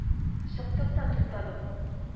Чыктык та, туктадык